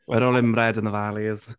We're all inbred in the valleys.